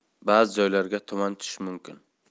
ba'zi joylarga tuman tushishi mumkin